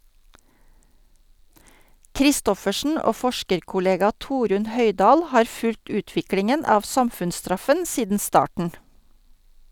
Kristoffersen og forskerkollega Torunn Højdahl har fulgt utviklingen av samfunnsstraffen siden starten.